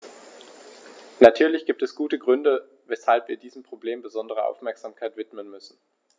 Natürlich gibt es gute Gründe, weshalb wir diesem Problem besondere Aufmerksamkeit widmen müssen.